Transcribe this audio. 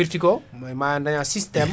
firti ko ma daña systéme